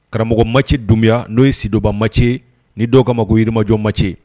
Karamɔgɔ ma ci dunbiya n'o ye sidonbama cɛ ni dɔw ka ma ko yirimajɔ ma cɛ